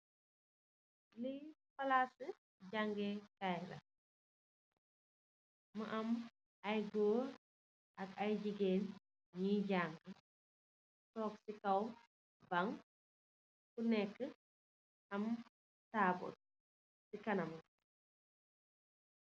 Lee plasse jangekayla mu am aye goor ak aye jegain yuy jange tonke se kaw bang funeke am table se kanamam.